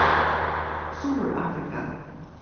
suðurafrika